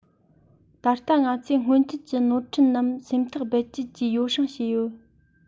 ད ལྟ ང ཚོས སྔོན ཆད ཀྱི ནོར འཁྲུལ རྣམས སེམས ཐག རྦད བཅད ཀྱིས ཡོ བསྲང བྱས ཡོད